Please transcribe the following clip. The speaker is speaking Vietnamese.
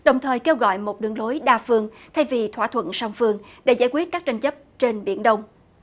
đồng thời kêu gọi một đường lối đa phương thay vì thỏa thuận song phương để giải quyết các tranh chấp trên biển đông